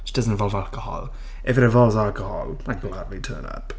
Which doesn't involve alcohol. If it involves alcohol, I'll gladly turn up.